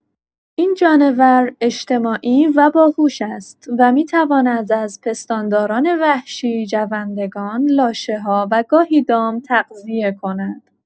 این جانور اجتماعی و باهوش است و می‌تواند از پستانداران وحشی، جوندگان، لاشه‌ها و گاهی دام تغذیه کند.